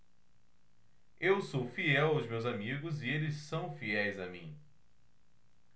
eu sou fiel aos meus amigos e eles são fiéis a mim